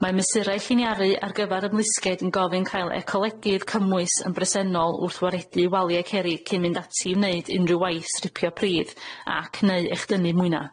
Mae mesurau lliniaru ar gyfar ymlusgiaid yn gofyn cael ecolegydd cymwys yn bresennol wrth waredu waliau cerrig cyn mynd ati i wneud unrhyw waith stripio pridd ac neu echdynnu mwyna.